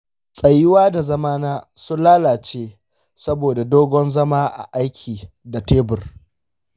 tsayuwa da zamana sun lalace saboda dogon zama a aiki da tebur.